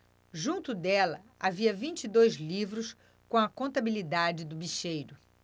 junto dela havia vinte e dois livros com a contabilidade do bicheiro